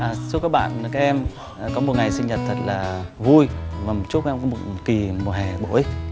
à chúc các bạn các em có một ngày sinh nhật thật là vui và chúc các em có một kỳ mùa hè bổ ích